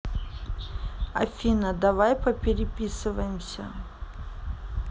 афина давай попереписываемся